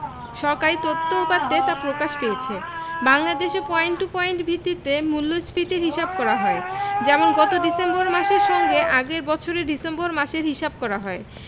সরকারি তথ্য উপাত্তে তা প্রকাশ পেয়েছে বাংলাদেশে পয়েন্ট টু পয়েন্ট ভিত্তিতে মূল্যস্ফীতির হিসাব করা হয় যেমন গত ডিসেম্বর মাসের সঙ্গে আগের বছরের ডিসেম্বর মাসের হিসাব করা হয়